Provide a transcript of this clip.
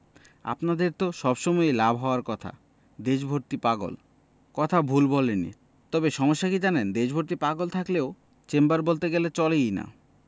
আপনাদের তো সব সময়ই লাভ হওয়ার কথা দেশভর্তি পাগল... কথা ভুল বলেননি তবে সমস্যা কি জানেন দেশভর্তি পাগল থাকলেও চেম্বার বলতে গেলে চলেই না